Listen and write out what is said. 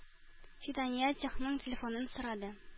Фидания цехның телефонын сорады.